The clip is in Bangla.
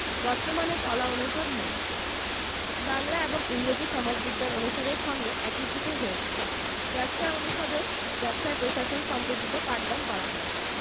বর্তমানে কলা অনুষদ নেই বাংলা এবং ইংরেজি সমাজবিজ্ঞান অনুষদের সঙ্গে একীভূত হয়েছে ব্যবসায় অনুষদে ব্যবসায় প্রশাসন সম্পর্কিত পাঠদান করা হয়